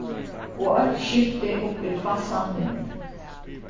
og eitt skifti upp í hvassan vind